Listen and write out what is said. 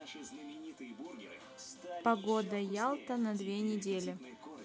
погода ялта на две недели